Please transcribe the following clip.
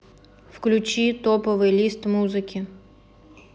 включи топовый лист музыки